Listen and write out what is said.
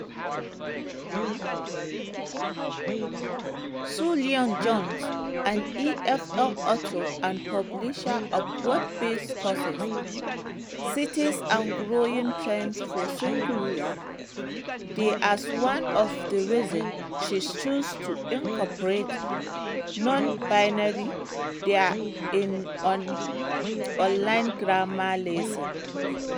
Sue Lyon-Jones, an EFL author and publisher of web-based courses, cites the growing trend for singular they as one of the reasons she’s chosen to incorporate nonbinary they in an online grammar lesson.